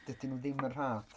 Dydyn nhw ddim yn rhad.